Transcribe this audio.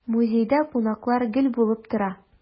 Музейда кунаклар гел булып тора.